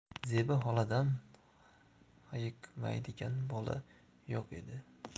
zebi xoladan hayiqmaydigan bola yo'q edi